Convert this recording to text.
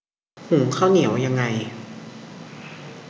หุงข้าวเหนียวยังไง